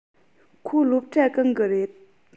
ཁོ སློབ གྲྭ གང གི རེད